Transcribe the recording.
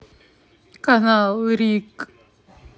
канал рик